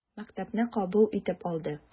Мәктәпне кабул итеп алды.